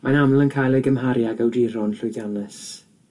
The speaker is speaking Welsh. Mae'n aml yn cael ei gymharu ag awduron llwyddiannus